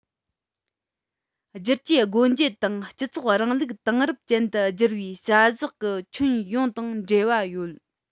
བསྒྱུར བཅོས སྒོ འབྱེད དང སྤྱི ཚོགས རིང ལུགས དེང རབས ཅན དུ འགྱུར བའི བྱ གཞག གི ཁྱོན ཡོངས དང འབྲེལ བ ཡོད